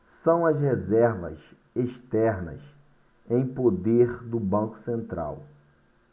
são as reservas externas em poder do banco central